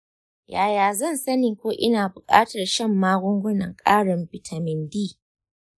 yaya zan sani ko ina buƙatar shan magungunan ƙarin bitamin d?